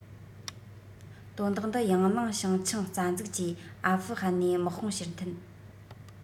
དོན དག འདི ཡང གླེང བྱང ཆིངས རྩ འཛུགས ཀྱིས ཨ ཧྥུ ཧན ནས དམག དཔུང ཕྱིར འཐེན